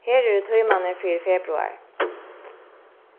her eru tímarnir fyri februar